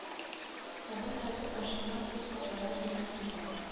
Кабер хәтер ачылмас сер саклана тирән тынлык